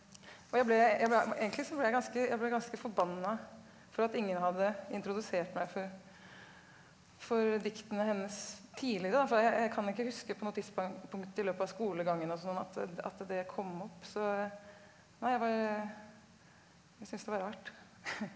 og jeg ble jeg egentlig så ble jeg ganske jeg ble ganske forbanna for at ingen hadde introdusert meg for for diktene hennes tidligere da for jeg kan ikke huske på noe tidspunkt i løpet av skolegangen og sånt at at det kom opp så nei jeg var syntes det var rart .